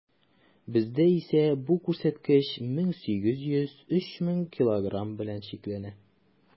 Бездә исә бу күрсәткеч 1800 - 3000 килограмм белән чикләнә.